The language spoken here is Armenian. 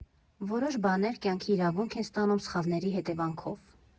«Որոշ բաներ կյանքի իրավունք են ստանում սխալների հետևանքով։